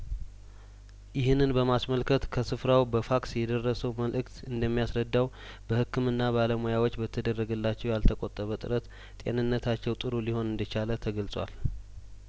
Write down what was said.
ይህንን በማስመልከት ከስፍራው በፋክስ የደረሰው መልእክት እንደሚያስረዳው በህክምና ባለሙያዎች በተደረገላቸው ያልተቆጠበ ጥረት ጤንነታቸው ጥሩ ሊሆን እንደቻለተ ገልጿል